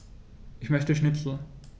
Ich möchte Schnitzel.